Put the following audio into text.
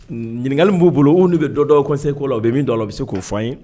Ɲininkali min b'u bolo u ne bɛ dɔ dɔn conseil ko la u bɛ min dɔn a la u bɛ se k'o fɔ an ye